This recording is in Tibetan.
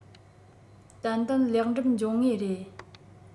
ཏན ཏན ལེགས འགྲུབ འབྱུང ངེས རེད